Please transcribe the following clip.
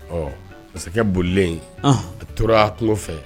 Ɔ masakɛ bolilen a tora a kungo fɛ